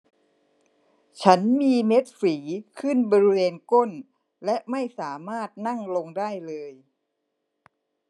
ฉันมีเม็ดฝีขึ้นบริเวณก้นและไม่สามารถนั่งลงได้เลย